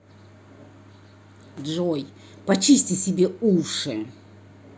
джой почисти себе уши